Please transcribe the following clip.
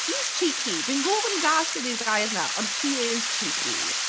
He's cheeky dwi'n gwybod bod yn gas gen i'r gair yna ond he is cheeky.